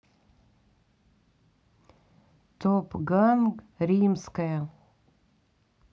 топ ган римская